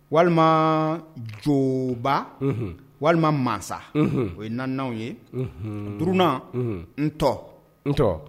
Walima joba walima mansa o ye na ye dna n tɔ n tɔ